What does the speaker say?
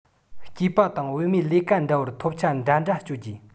སྐྱེས པ དང བུད མེད ལས ཀ འདྲ བར ཐོབ ཆ འདྲ འདྲ སྤྲོད རྒྱུ